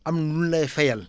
am na lu ñu lay fayal